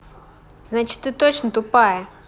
значит ты точно тупая